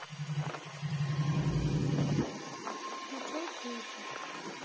включай третий